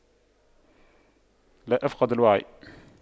لا أفقد الوعي